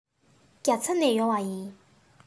རྒྱ ཚ ནས ཡོང བ ཡིན